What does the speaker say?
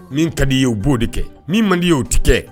Min ka d'i ye u b'o de kɛ min man d'i ye o tɛ kɛ